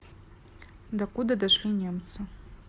до куда дошли немцы